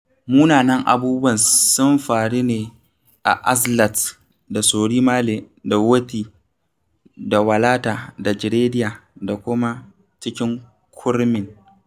Munanan abubuwan sun faru ne a Azlatt da Sory Male da Wothie da Walata da Jreida da kuma cikin kurmin.